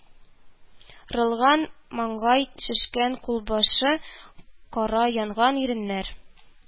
Рылган, маңгай шешкән, кулбашы кара янган, иреннәр